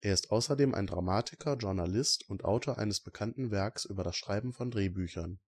Er ist außerdem ein Dramatiker, Journalist und Autor eines bekannten Werks über das Schreiben von Drehbüchern